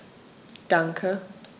Danke.